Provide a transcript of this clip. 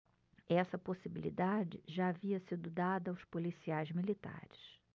essa possibilidade já havia sido dada aos policiais militares